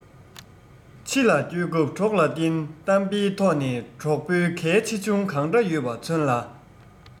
ཕྱི ལ སྐྱོད སྐབས གྲོགས ལ བརྟེན གཏམ དཔེའི ཐོག ནས གྲོགས པོའི གལ ཆེ ཆུང གང འདྲ ཡོད པ མཚོན ལ